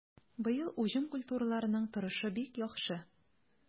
Быел уҗым культураларының торышы бик яхшы.